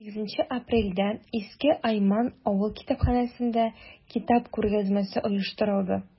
8 апрельдә иске айман авыл китапханәсендә китап күргәзмәсе оештырылды.